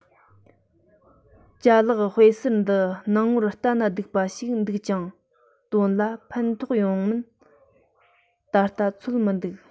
ཅ ལག དཔེ གསར འདི སྣང ངོར ལྟ ན སྡུག པ ཞིག འདུག ཀྱང དོན ལ ཕན ཐོགས ཡོང མིན ད ལྟ ཚོད མི ཐིག